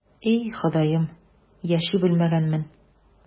И, Ходаем, яши белмәгәнмен...